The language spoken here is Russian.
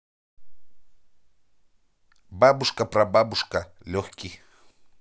бабушка прабабушка легкий